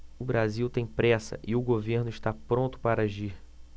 o brasil tem pressa e o governo está pronto para agir